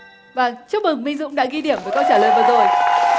vầng chúc mừng minh dũng đã ghi điểm với câu trả lời vừa rồi